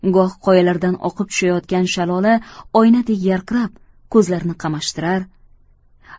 goh qoyalardan oqib tushayotgan shalola oynadek yarqirab ko'zlarni qamashtirar